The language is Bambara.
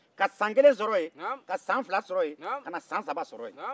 ka san kelen sɔrɔ yen ka san fila sɔrɔ yen ka san saba sɔrɔ yen